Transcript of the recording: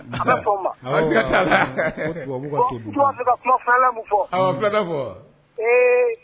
A ee